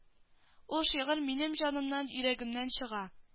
Ул шигырь минем җанымнан йөрәгемнән чыга